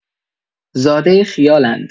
زادۀ خیال اند.